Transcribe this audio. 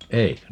eikö